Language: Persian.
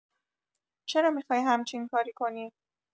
چرا می‌خوای همچین کاری کنی؟